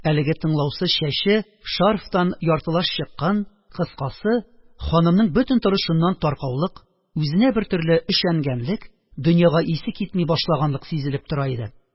Әлеге тыңлаусыз чәче шарфтан яртылаш чыккан, кыскасы, ханымның бөтен торышыннан таркаулык, үзенә бертөрле өшәнгәнлек, дөньяга исе китми башлаганлык сизелеп тора иде.